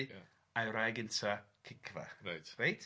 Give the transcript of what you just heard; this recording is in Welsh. ...a'i wraig gynta Cicfa reit. Reit ia.